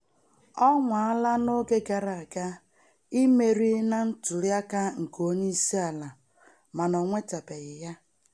Ọ nwaala n'oge gara aga imeri na ntụliaka nke onye isi ala mana o nwetabeghị ya.